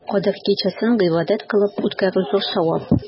Кадер кичәсен гыйбадәт кылып үткәрү зур савап.